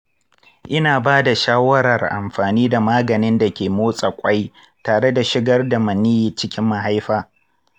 ina ba da shawarar amfani da maganin da ke motsa ƙwai tare da shigar da maniyyi cikin mahaifa.